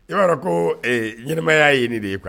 I b'a ko ɲmaya ye nin de ye kuwa